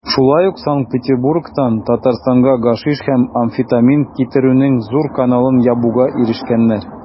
Шулай ук Санкт-Петербургтан Татарстанга гашиш һәм амфетамин китерүнең зур каналын ябуга ирешкәннәр.